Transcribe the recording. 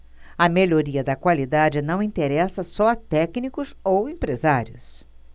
a melhoria da qualidade não interessa só a técnicos ou empresários